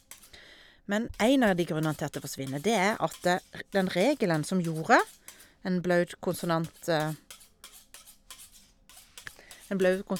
Men en av de grunnene til at det forsvinner, det er at r den regelen som gjorde en blaut konsonant en blaut kons...